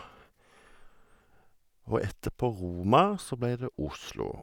Og etterpå Roma så blei det Oslo.